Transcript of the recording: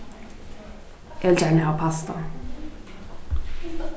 eg vil gjarna hava pasta